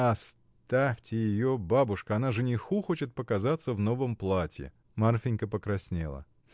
— Оставьте ее, бабушка, она жениху хочет показаться в новом платье. Марфинька покраснела.